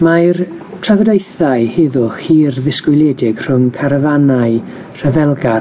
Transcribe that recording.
Mae'r trafodaethau heddwch hir ddisgwyliedig rhwng carafanau rhyfelgar